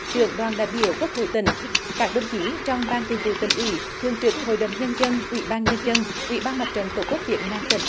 trưởng đoàn đại biểu quốc hội tỉnh các đồng chí trong ban thường vụ tỉnh ủy thường trực hội đồng nhân dân ủy ban nhân dân ủy ban mặt trận tổ quốc việt nam tỉnh